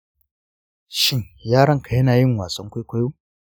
shin yaronka yana yin wasan kwaikwayo